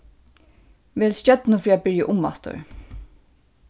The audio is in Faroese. vel stjørnu fyri at byrja umaftur